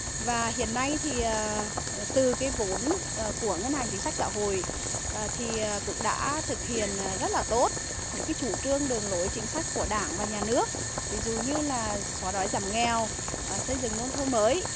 và hiện nay thì ờ từ cái vốn của ngân hàng chính sách xã hội thì cũng đã thực hiện là rất là tốt những cái chủ trương đường lối chính sách của đảng và nhà nước ví dụ như là xóa đói giảm nghèo xây dựng nông thôn mới